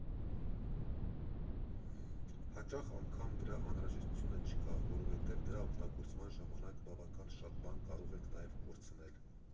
Հաճախ անգամ դրա անհրաժեշտությունը չկա, որովհետև դրա օգտագործման ժամանակ բավական շատ բան կարող ենք նաև կորցնել։